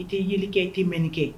I te yeli kɛ i te mɛni kɛ